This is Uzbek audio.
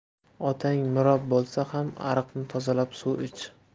otang mirob bo'lsa ham ariqni tozalab suv ich